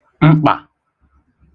mkpà